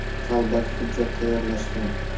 qalbaki hujjat tayyorlashgan